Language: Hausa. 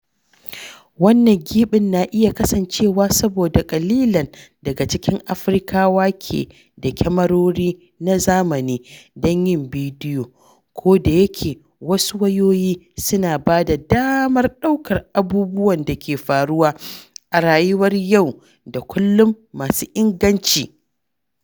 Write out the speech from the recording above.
Wannan gibin na iya kasancewa saboda ƙalilan daga cikin Afirkawa ke da kyamarori na zamani don yin bidiyo, ko da yake wasu wayoyi suna ba da damar ɗaukar abubuwan da ke faruwa a rayuwar yau da kullum masu inganci.